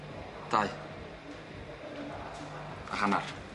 Dau a hannar.